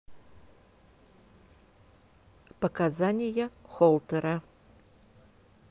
показания холтера